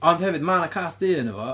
Ond hefyd mae 'na cath du ynddo fo.